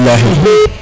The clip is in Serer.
bilaxi